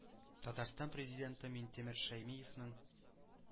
Татарстан Президенты Минтимер Шәймиевнең